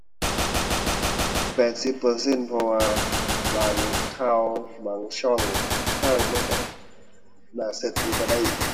แปดสิบเปอร์เซ็นต์ เพราะว่าบางข่าว บางช่องทางมันก็น่าก็ถือบ่ได้